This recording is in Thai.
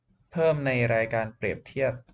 เพิ่มในรายการเปรียบเทียบ